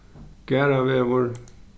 garðavegur